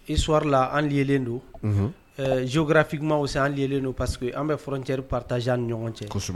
Histoire la anw lié le don, unhun, ɛ géographiquement aussi anw lié don, unhun, parce que an bɛ frontière partagée an ni ɲɔgɔn cɛ, kosɛbɛ.